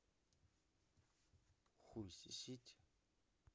хуй сисити